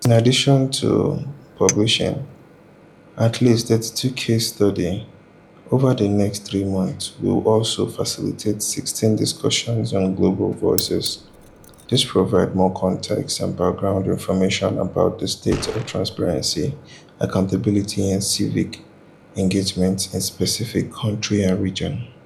In addition to publishing at least 32 case studies over the next three months, we will also facilitate 16 discussions on Global Voices that provide more context and background information about the state of transparency, accountability and civic engagement in specific countries and regions.